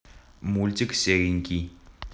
мультик серенький